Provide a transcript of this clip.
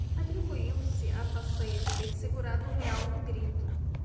atribuiu-se a façanha de ter segurado o real no grito